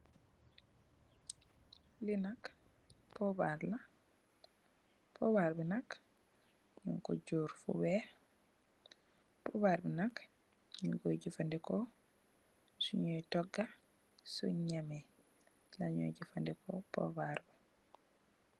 Li nak pobarr la pobarr bi nak nyunko joor fu weex pobarr bi nak nyun koi jefandeko su nyui toga naami lenyui jefendeko pobarr bi.